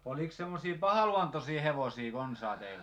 olikos semmoisia pahaluontoisia hevosia konsaan teillä